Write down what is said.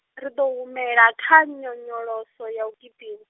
ri ḓo humela kha, nyonyoloso ya u gidima.